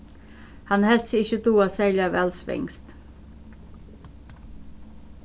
hann helt seg ikki duga serliga væl svenskt